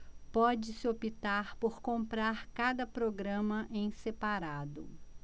pode-se optar por comprar cada programa em separado